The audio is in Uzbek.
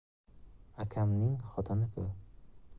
akamning xotiniku